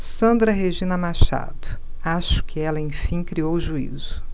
sandra regina machado acho que ela enfim criou juízo